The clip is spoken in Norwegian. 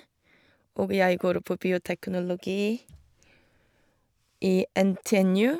Og jeg går på bioteknologi i NTNU.